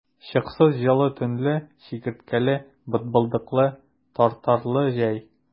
Чыксыз җылы төнле, чикерткәле, бытбылдыклы, тартарлы җәй!